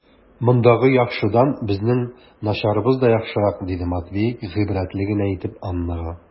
Мондагы яхшыдан безнең начарыбыз да яхшырак, - диде Матвей гыйбрәтле генә итеп Аннага.